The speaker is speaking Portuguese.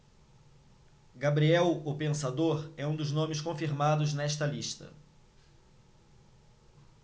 gabriel o pensador é um dos nomes confirmados nesta lista